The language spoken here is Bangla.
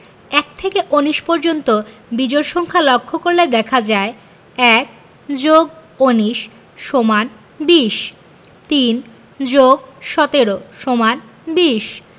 ১ থেকে ১৯ পর্যন্ত বিজোড় সংখ্যা লক্ষ করলে দেখা যায় ১+১৯=২০ ৩+১৭=২০